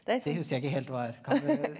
det husker jeg ikke helt hva er kan du?